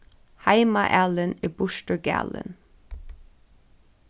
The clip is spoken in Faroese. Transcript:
heima alin er burtur galin